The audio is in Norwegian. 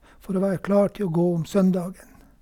For å være klar til å gå om søndagen.